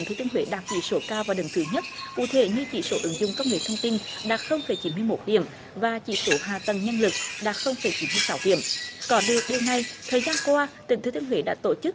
thừa thiên huế đạt chỉ số cao và đứng thứ nhất cụ thể như chỉ số ứng dụng công nghệ thông tin đạt không phẩy chín mươi mốt điểm và chỉ số hạ tầng nhân lực đạt không phẩy chín mươi sáu điểm có được điều này thời gian qua tỉnh thừa thiên huế đã tổ chức